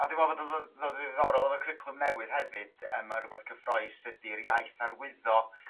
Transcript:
A dwi meddwl bod o'n efo'r cwricwlwm newydd hefyd yym a r'wbath cyffrous ydi'r iaith arwyddo